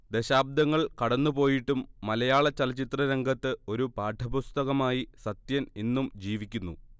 ദശാബ്ദങ്ങൾ കടന്നുപോയിട്ടും മലയാള ചലച്ചിത്ര രംഗത്ത് ഒരു പാഠപുസ്തകമായി സത്യൻ ഇന്നും ജീവിക്കുന്നു